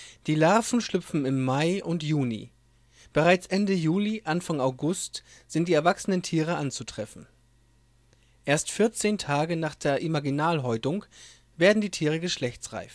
Die Larven schlüpfen im Mai/Juni, bereits Ende Juli/Anfang August sind die erwachsenen Tiere anzutreffen. Erst 14 Tage nach der Imaginalhäutung werden die Tiere geschlechtsreif